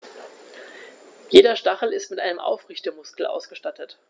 Jeder Stachel ist mit einem Aufrichtemuskel ausgestattet.